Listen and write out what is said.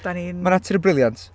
Dan ni'n... Ma' natur yn brilliant.